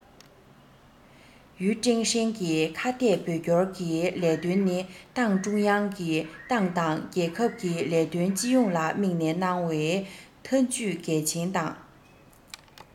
ཡུས ཀྲེང ཧྲེང གིས ཁ གཏད བོད སྐྱོར གྱི ལས དོན ནི ཏང ཀྲུང དབྱང གིས ཏང དང རྒྱལ ཁབ ཀྱི ལས དོན སྤྱི ཡོངས ལ དམིགས ནས གནང བའི འཐབ ཇུས གལ ཆེན དང